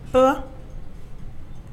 Hɔn